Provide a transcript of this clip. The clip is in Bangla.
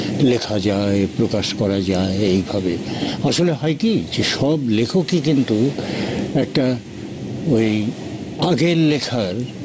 লেখা যায় প্রকাশ করা যায় এভাবে আসলে হয় কি সব লেখকই কিন্তু একটা ওই একটা আগের লেখার